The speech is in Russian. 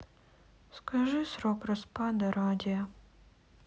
скажи срок распада радия